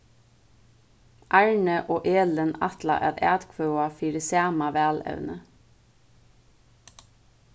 arni og elin ætla at atkvøða fyri sama valevni